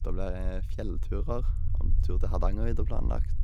Det blir fjellturer, har en tur til Hardangervidda planlagt.